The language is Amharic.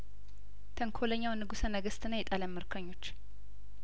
ተንኮለኛ ውንጉሰ ነገስትና የጣሊያን ምርኮኞች